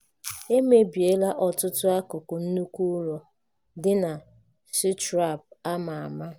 E mebiela ọtụtụ akukụ nnukwu ụlọ dị na Sutrapur a ma ama.